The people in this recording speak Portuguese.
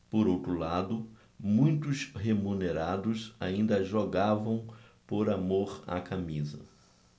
por outro lado muitos remunerados ainda jogavam por amor à camisa